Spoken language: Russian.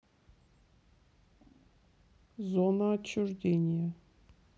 зона отчуждения